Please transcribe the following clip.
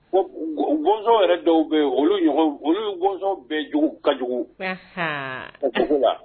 Bɔnzɔnon yɛrɛ dɔw bɛ olu oluzɔnon bɛ jugu ka jugu o ko wa